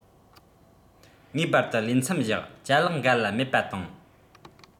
ངེས པར དུ ལས མཚམས བཞག ཅ ལག འགའ ལ མེད པ བཏང